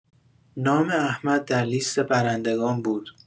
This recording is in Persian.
نام احمد در لیست برندگان بود.